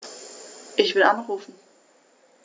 Ich will anrufen.